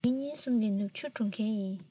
ཉིན གཉིས གསུམ ནས ནག ཆུར འགྲོ གི ཡིན